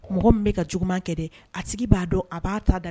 Mɔgɔ min bɛ ka juguman kɛ dɛ a sigi b'a dɔn a b'a ta da